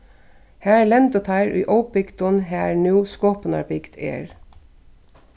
har lendu teir í óbygdum har nú skopunarbygd er